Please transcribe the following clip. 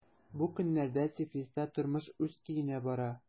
Бу көннәрдә Тифлиста тормыш үз көенә бара.